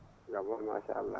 jam ?olo machallah